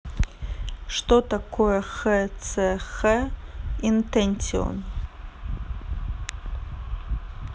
что такое xcx intention